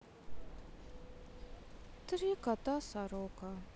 три кота сорока